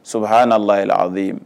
So ha' lahiyi a